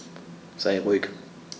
Sei ruhig.